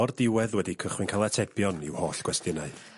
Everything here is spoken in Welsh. ...o'r diwedd wedi cychwyn ca'l atebion i'w holl gwestiynau.